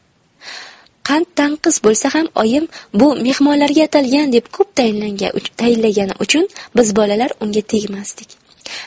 qand tanqis bo'lsa ham oyim bu mehmonlarga atalgan deb ko'p tayinlagani uchun biz bolalar unga tegmasdik